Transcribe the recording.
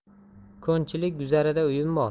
ko'nchilik guzarida uyim bor